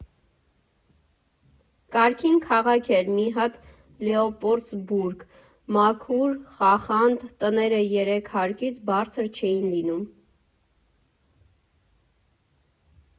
Կարգին քաղաք էր մի հատ՝ Լեոպոլդսբուրգ, մաքուր, խախանդ, տները երեք հարկից բարձր չէին լինում։